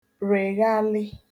règhalị